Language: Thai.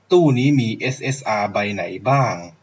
ตู้นี้มีเอสเอสอาใบไหนบ้าง